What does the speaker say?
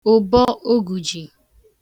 ụ̀bọogùjì